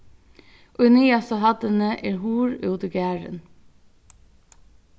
í niðastu hæddini er hurð út í garðin